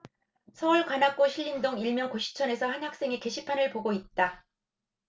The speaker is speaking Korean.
서울 관악구 신림동 일명 고시촌에서 한 학생이 게시판을 보고 있다